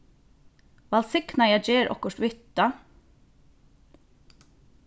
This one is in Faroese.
vælsignaða ger okkurt við tað